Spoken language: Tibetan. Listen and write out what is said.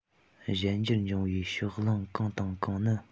གཞན འགྱུར འབྱུང བའི ཕྱོགས ལྷུང གང དང གང ནི